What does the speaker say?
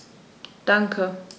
Danke.